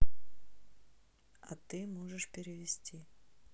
а ты можешь перевести